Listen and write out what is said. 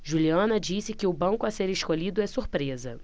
juliana disse que o banco a ser escolhido é surpresa